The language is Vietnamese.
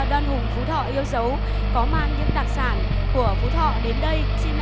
đoan hùng phú thọ yêu dấu có mang những đặc sản của phú thọ đến đây xin